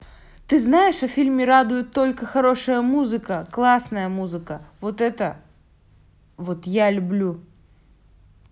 ты знаешь о фильме радует только хорошая музыка классная музыка вот это вот я люблю